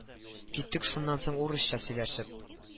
Киттек шуннан соң урысча сөйләшеп